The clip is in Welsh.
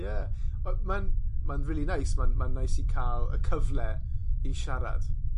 Ie, wel ma'n, ma'n rili neis, ma'n ma'n neis i ca'l y cyfle i siarad.